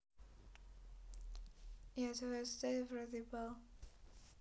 я твоего создателя в рот ебал